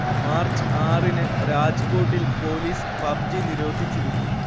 March ആറിന് രാജ്കോട്ടിൽ police PUBG നിരോധിച്ചിരുന്നു